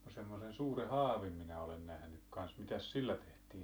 no semmoisen suuren haavin minä olen nähnyt kanssa mitäs sillä tehtiin